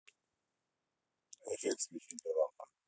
эффект свечи для лампы